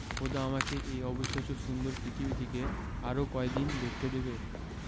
খোদা আমাকে এই অবিশ্বাস্য সুন্দর পৃথিবীটিকে আরো কয়দিন দেখতে দেবে